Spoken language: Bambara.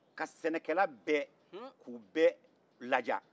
ka sɛnɛkɛla bɛɛ k'u bɛɛ la diya